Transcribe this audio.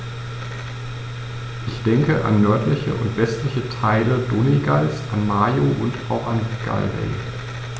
Ich denke an nördliche und westliche Teile Donegals, an Mayo, und auch Galway.